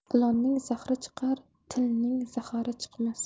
ilonning zahri chiqar tilning zahari chiqmas